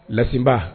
Laba